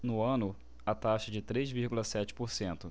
no ano a taxa é de três vírgula sete por cento